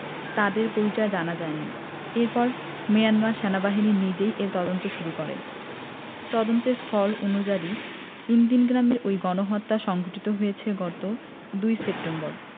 তাদের পরিচয় জানা যায়নি এরপর মিয়ানমার সেনাবাহিনী নিজেই এর তদন্ত শুরু করে তদন্তের ফল অনুযায়ী ইনদিন গ্রামের ওই গণহত্যা সংঘটিত হয়েছে গত ২ সেপ্টেম্বর